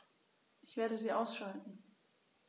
Ich werde sie ausschalten